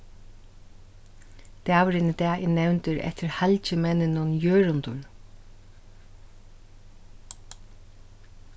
dagurin í dag er nevndur eftir halgimenninum jørundur